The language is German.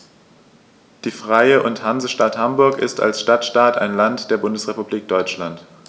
Die Freie und Hansestadt Hamburg ist als Stadtstaat ein Land der Bundesrepublik Deutschland.